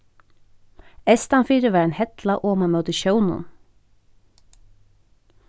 eystanfyri var ein hella oman móti sjónum